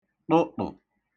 ṭụṭụ̀